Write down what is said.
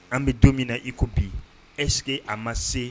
An bɛ don min na i ko bi es a ma se